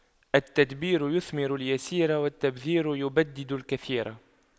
التدبير يثمر اليسير والتبذير يبدد الكثير